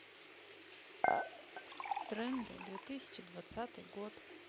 тренды две тысячи двадцатый год